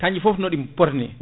kañƴi foof noɗi poti ni